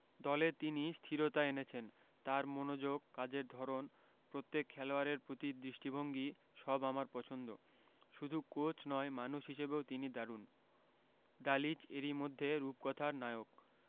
দলে তিনি স্থিরতা এনেছেন তাঁর মনোযোগ কাজের ধরন প্রত্যেক খেলোয়াড়ের প্রতি দৃষ্টিভঙ্গি সব আমার পছন্দ শুধু কোচ নয় মানুষ হিসেবেও তিনি দারুণ দালিচ এরই মধ্যে রূপকথার নায়ক